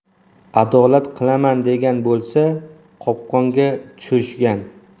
adolat qilaman degan bo'lsa qopqonga tushirishgan